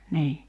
niin